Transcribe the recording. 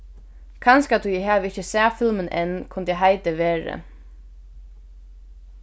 kanska tí eg havi ikki sæð filmin enn kundi heitið verið